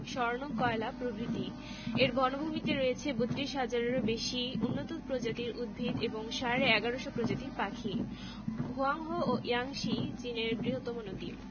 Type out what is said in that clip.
স্বর্ণ কয়লা প্রভৃতি এর বনভূমিতে রয়েছে ৩২ হাজারেরও বেশি উন্নত প্রজাতির উদ্ভিত ও সাড়ে ১১শ প্রজাতির পাখি হোয়াংহো ও ইয়াংসি চীনের বৃহত্তম নদী